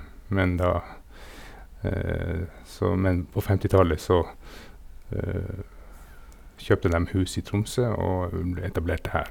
men da så Men på femtitallet så kjøpte dem hus i Tromsø og hun ble etablerte her.